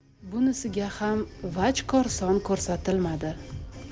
bunisiga ham vaj korson ko'rsatilmadi